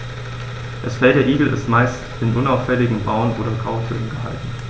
Das Fell der Igel ist meist in unauffälligen Braun- oder Grautönen gehalten.